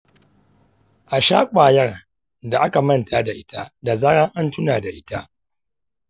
a sha ƙwayar da aka manta da ita da zarar an tuna da ita.